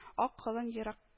Ак колын ерак